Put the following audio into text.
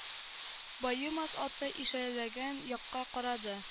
Баемас аты ишарәләгән якка карады